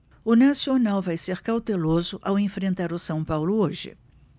o nacional vai ser cauteloso ao enfrentar o são paulo hoje